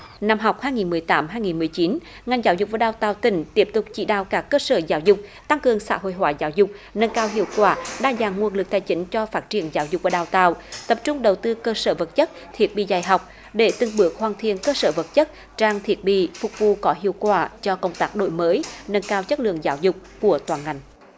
năm học hai nghìn mười tám hai nghìn mười chín ngành giáo dục và đào tạo tỉnh tiếp tục chỉ đạo các cơ sở giáo dục tăng cường xã hội hóa giáo dục nâng cao hiệu quả đa dạng nguồn lực tài chính cho phát triển giáo dục và đào tạo tập trung đầu tư cơ sở vật chất thiết bị dạy học để từng bước hoàn thiện cơ sở vật chất trang thiết bị phục vụ có hiệu quả cho công tác đổi mới nâng cao chất lượng giáo dục của toàn ngành